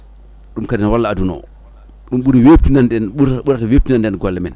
ɗum kadi ne walla aduna o ɗum ɓuuri webtinande en ɓuurata ɓurrata webtinande en golle men